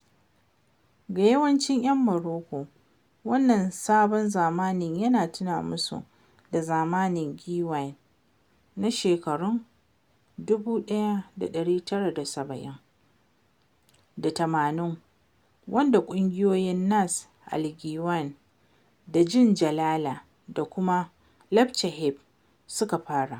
Ga yawancin 'yan Moroko, wannan sabon zamani yana tuna musu da zamanin Ghiwane na shekarun 1970 da 80, wanda ƙungiyoyin Nass El Ghiwane da Jil Jilala da kuma Lemchaheb suka fara.